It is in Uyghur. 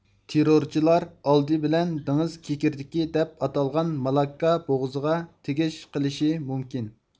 تېررورچىلار ئالدى بىلەن دېڭىز كېكىرتىكى دەپ ئاتالغان مالاككا بوغۇزىغا تېگىش قىلىشى مۇمكىن